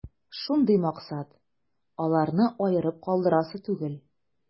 Шундый максат: аларны аерып калдырасы түгел.